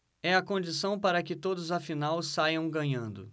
é a condição para que todos afinal saiam ganhando